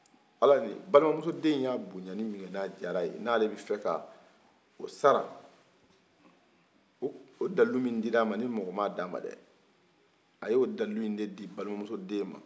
ala ni balimamuso den in y'a boɲali min kɛ n'o jar'a ye ni ale b'afɛ ka o sara o dawulu min dir'ama ni mɔgɔ man'a dama a y'o dawulu in de di balimamuso den ma